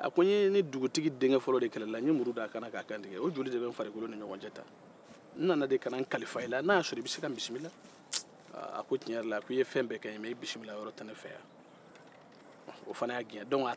a ko n ye ni dugutigi denkɛfɔlɔ de kɛlɛ la n ye muru d'a la ka kannan ka kantigɛ o joli de bɛ ne farikolo ni ɲɔgɔn cɛ tan n nana de ka na n kalifa i la n'a ya sɔr'i bɛ se ka n bisimila a ko tiɲɛn yɛrɛ la a ko e ye fɛn bɛɛ kɛ n ye mɛ i bisimila yɔrɔ tɛ ne fɛ yan o fana y'a gɛn dɔnke a taara laban min